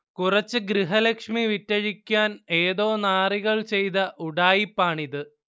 കുറച്ച് ഗൃഹലക്ഷ്മി വിറ്റഴിക്കാൻ ഏതോ നാറികൾ ചെയ്ത ഉഡായിപ്പാണിത്